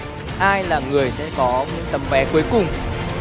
ai là người sẽ có cái tấm vé cuối cùng